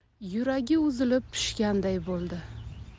yuragi uzilib tushganday bo'ldi